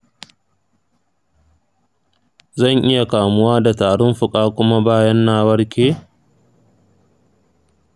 zan iya kamuwa da tarin fuka kuma bayan na warke?